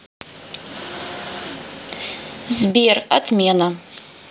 сбер отмена